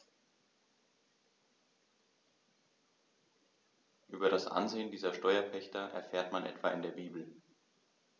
Über das Ansehen dieser Steuerpächter erfährt man etwa in der Bibel.